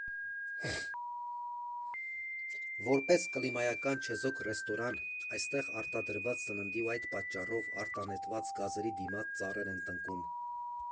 Որպես կլիմայական չեզոք ռեստորան, այստեղ արտադրված սննդի ու այդ պատճառով արտանետված գազերի դիմաց ծառեր են տնկում։